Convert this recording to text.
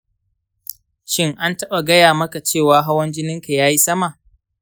shin an taɓa gaya maka cewa hawan jininka yayi sama?